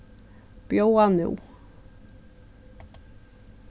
bjóða nú